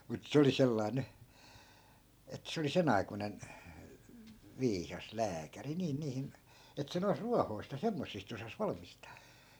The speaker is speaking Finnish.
mutta se oli sellainen nyt että se oli sen aikuinen viisas lääkäri niin niihin että se noissa ruohoista ja semmoisista osasi valmistaa